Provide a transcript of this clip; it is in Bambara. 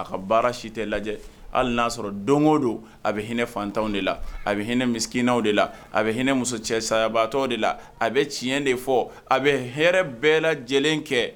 A ka baara si tɛ lajɛ hali y'a sɔrɔ don o don a bɛ hinɛ fantanw de la a bɛ hinɛinaw de la a bɛ hinɛ muso cɛ sayabaatɔw de la a bɛ tiɲɛ de fɔ a bɛ hɛrɛ bɛɛ lajɛlen kɛ